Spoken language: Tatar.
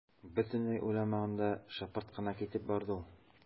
Бөтенләй уйламаганда шыпырт кына китеп барды ул.